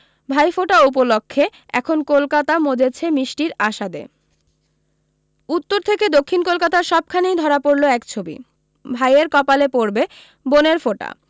ভাইফোঁটা উপলক্ষে এখন কলকাতা মজেছে মিষ্টির আস্বাদে উত্তর থেকে দক্ষিণ কলকাতার সবখানেই ধরা পড়লো এক ছবি ভাইয়ের কপালে পড়বে বোনের ফোঁটা